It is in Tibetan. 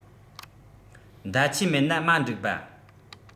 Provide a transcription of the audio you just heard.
མདའ ཆས མེད ན མ འགྲིག པ